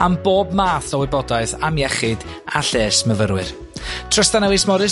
am bob math o wybodaeth am iechyd a lles myfyrwyrtrostanewis Morris